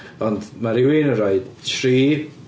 Ond mae rhywun yn rhoi tri...